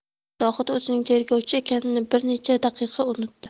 zohid o'zining tergovchi ekanini bir necha daqiqa unutdi